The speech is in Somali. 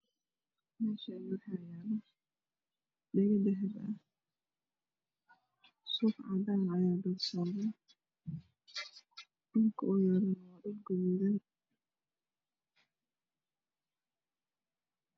Meshan waxyalo dhego dahba ah suuf cadan ah aya dulsaran dhulka ow yalo waa dhul gaduudan